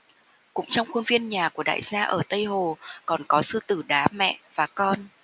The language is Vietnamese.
cũng trong khuôn viên nhà của đại gia ở tây hồ còn có sư tử đá mẹ và con